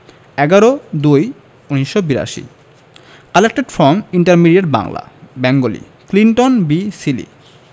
১১/০২/১৯৮২ collected from intermediate Bangla Bengali Clinton B Seely